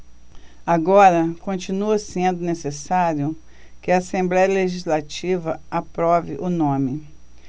agora continua sendo necessário que a assembléia legislativa aprove o nome